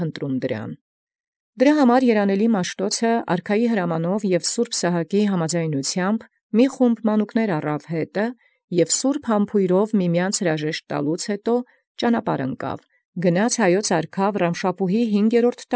Կորյուն Վասն որոյ առեալ երանելոյն Մաշթոցի դաս մի մանկտոյ հրամանաւ արքայի և միաբանութեամբ սրբոյն Սահակայ, և հրաժարեալք ի միմեանց համբուրիւ սրբութեանն՝ խաղայր գնայր ի հինգերորդ ամի Վռամշապհոյ արքային։